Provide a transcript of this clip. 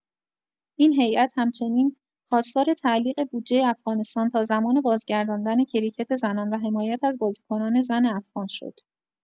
این هیئت همچنین خواستار تعلیق بودجه افغانستان تا زمان بازگرداندن کریکت زنان و حمایت از بازیکنان زن افغان شد.